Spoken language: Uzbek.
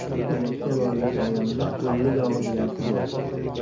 elakka borgan ayolning ellik og'iz gapi bor